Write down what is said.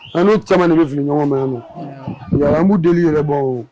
An n'u caaman de bɛ fili ɲɔgɔn ma, wa an b'u deeli yɛrɛ